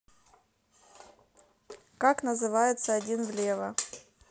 как называется один влево